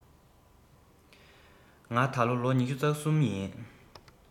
ང ད ལོ ལོ ཉི ཤུ རྩ གསུམ ཡིན